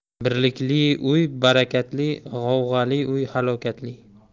birlikli uy barakatli g'ovg'ali uy halokatli